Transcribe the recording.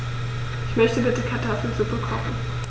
Ich möchte bitte Kartoffelsuppe kochen.